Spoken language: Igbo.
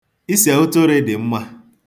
Ise ụtịrị dị mma.